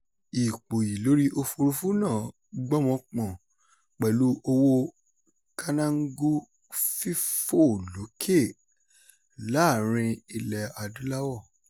Ìpòyì lórí òfuurufú náà gbọ́mọ pọn pẹ̀lú owó kanangú fífò lókè láàárín Ilẹ̀-adúláwọ̀.